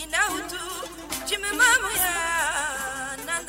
Nlɔ jamaba ma